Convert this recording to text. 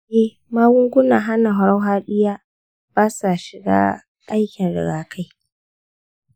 eh, magungunan hana farfadiya ba sa shiga aikin rigakafi.